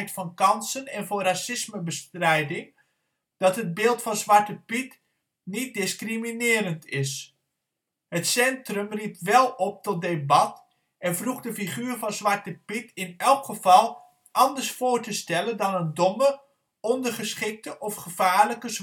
van kansen en voor racismebestrijding dat het beeld van Zwarte Piet niet discriminerend is. Het centrum riep wel op tot debat en vroeg de figuur van Zwarte Piet in elk geval anders voor te stellen dan een domme, ondergeschikte of gevaarlijke